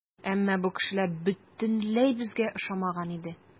Әмма бу кешеләр бөтенләй безгә охшамаган иде.